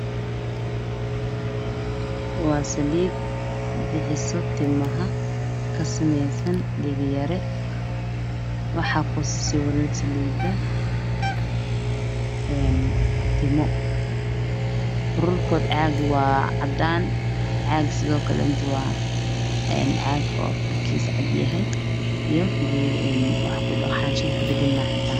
Waa saliid bixiso timaha waxey ka sameysan tahay dhego yare waxaa ku sawiran saliida timo